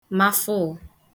mafụ̀ụ